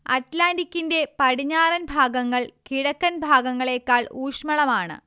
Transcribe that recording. അറ്റ്ലാന്റിക്കിന്റെ പടിഞ്ഞാറൻ ഭാഗങ്ങൾ കിഴക്കൻ ഭാഗങ്ങളേക്കാൾ ഊഷ്മളമാണ്